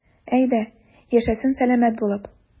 Әйдә, яшәсен сәламәт булып.